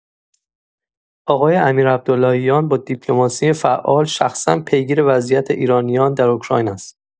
آقای امیر عبداللهیان با دیپلماسی فعال شخصا پیگیر وضعیت ایرانیان در اوکراین است.